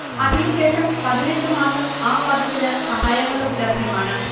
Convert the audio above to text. അതിനു ശേഷം പതിനെട്ട് മാസം ആ പതിപ്പിന് സഹായങ്ങളും ലഭ്യമാണ്